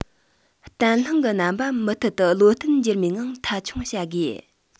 བརྟན ལྷིང གི རྣམ པ མུ མཐུད བློ བརྟན འགྱུར མེད ངང མཐའ འཁྱོངས བྱ དགོས